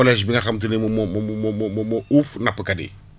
collège bi nga xam te ni moom moo moom moo moo uuf nappkat yi